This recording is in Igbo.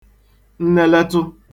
nneletụ